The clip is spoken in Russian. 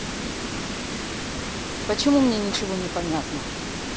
почему мне ничего не понятно